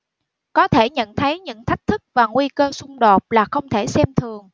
có thể nhận thấy những thách thức và nguy cơ xung đột là không thể xem thường